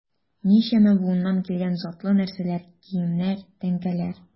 Ничәмә буыннан килгән затлы нәрсәләр, киемнәр, тәңкәләр...